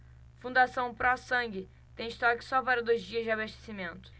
fundação pró sangue tem estoque só para dois dias de abastecimento